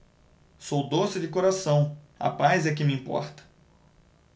sou doce de coração a paz é que me importa